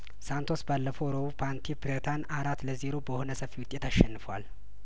ሳንቶስ ባለፈው ረቡእፓንቴ ፕሬታን አራት ለዜሮ በሆነ ሰፊ ውጤት አሸንፏል